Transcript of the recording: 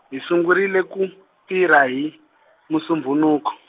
hi sungurile ku, tirha hi, Musumbhunuku.